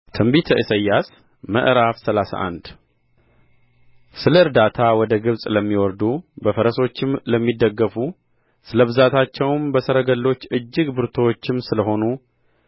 ትንቢተ ኢሳይያስ ምዕራፍ ሰላሳ አንድ ስለ እርዳታ ወደ ግብጽ ለሚወርዱ በፈረሶችም ለሚደገፉ ስለ ብዛታቸውም በሰረገሎች እጅግ ብርቱዎችም ስለ ሆኑ